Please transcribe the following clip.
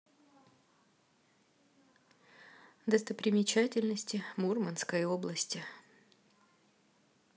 достопримечательности мурманской области